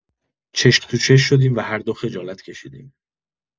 چشم تو چشم شدیم و هر دو خجالت کشیدیم.